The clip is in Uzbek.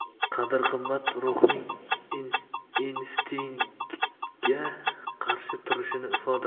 qadr qimmat ruhning instinktga qarshi turishini ifodalaydi